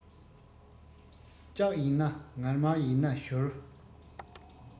ལྕགས ཡིན ན ངར མར ཡིན ན བཞུར